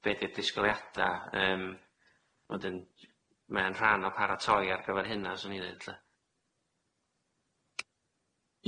be' di'r disgwyliada yym wedyn ma' e'n rhan o paratoi ar gyfer hynna 'swn i'n ddeud lly.